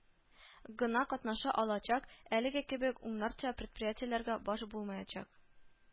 Гына катнаша алачак, әлеге кебек уннарча предприятиеләргә баш булмаячак